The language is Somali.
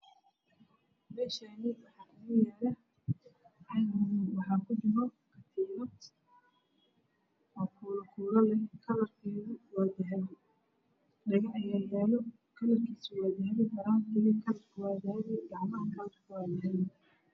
Meeshaan waxaa yaalo caag madow waxaa kujira katiinad oo kuulal leh kalarkeedu waa dahabi. Waxaa yaalo dhago, faraanti iyo gacan oo wada dahabi ah.